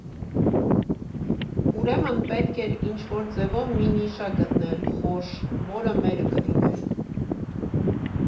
Ուրեմն պետք էր ինչ֊որ ձևով մի նիշա գտնել, խորշ, որը մերը կլիներ։